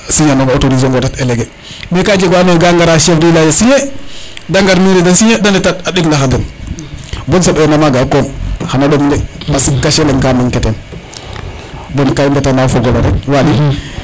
a signer a nong a autoriser ong o ret éléguer mais ka jeg wa ando naye ka ngara a signer de ngar mairie de signer te ndeg ndaxar den bon soɓena maga a koom xana ɗom de parce que cacher leŋ ka manquer teen bon ka i mbeta na fogole rek Waly